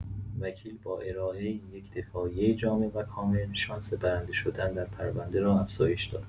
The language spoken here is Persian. وکیل با ارائه یک دفاعیه جامع و کامل، شانس برنده شدن در پرونده را افزایش داد.